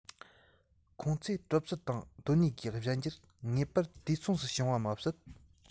ཁོང ཚོས གྲུབ ཚུལ དང གདོད ནུས གྱི གཞན འགྱུར ངེས པར དུས མཚུངས སུ བྱུང བ མ ཟད